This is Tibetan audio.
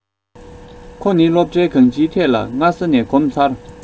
ཁོ ནི སློབ གྲྭའི གང སྤྱིའི ཐད ལ སྔ ས ནས གོམ ཚར